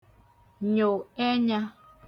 nyò ẹnyā